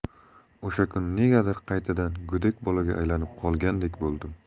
o'sha kuni negadir qaytadan go'dak bolaga aylanib qolgandek bo'ldim